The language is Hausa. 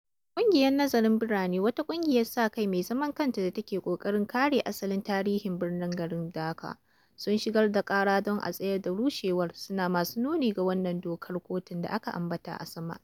ƙungiyar Nazarin Birane, wata ƙungiyar sa-kai mai zaman kanta da take ƙoƙarin kare asalin tarihin birnin Tsohon garin Dhaka, sun shigar da ƙara don a tsayar da rushewar, suna masu nuni ga wannan dokar kotun da aka ambata a sama.